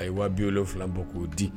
A ye waajibifila bɔ k'o di